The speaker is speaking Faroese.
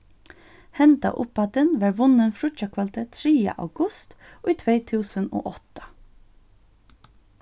henda upphæddin varð vunnin fríggjakvøldið triðja august í tvey túsund og átta